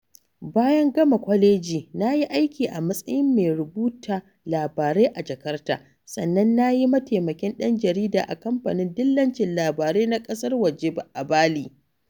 Bayan gama kwaleji, na yi aiki a matsayin mai rubuta labarai a Jakarta, sannan na yi maitaimakin ɗan jarida a kamfanin dillancin labarai na ƙasar waje a Bali.